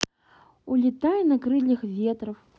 улетай на крыльях ветров